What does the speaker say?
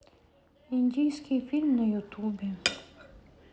индийский фильм на ютубе